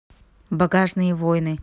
багажные войны